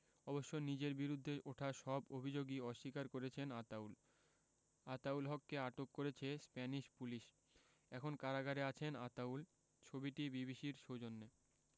অবশ্য নিজের বিরুদ্ধে ওঠা সব অভিযোগই অস্বীকার করেছেন আতাউল আতাউল হককে আটক করেছে স্প্যানিশ পুলিশ এখন কারাগারে আছেন আতাউল ছবিটি বিবিসির সৌজন্যে